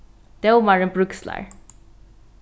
dómarin bríkslar